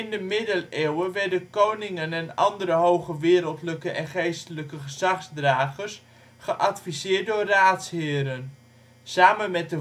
de Middeleeuwen werden koningen en andere hoge wereldlijke en geestelijke gezagsdragers geadviseerd door raadsheren. Samen met